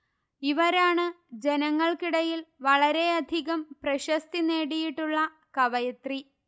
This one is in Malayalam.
ഇവരാണ് ജനങ്ങൾക്കിടയിൽ വളരെയധികം പ്രശസ്തി നേടിയിട്ടുള്ള കവയിത്രി